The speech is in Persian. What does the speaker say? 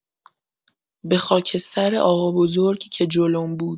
به خاکستر آقابزرگ که جلوم بود.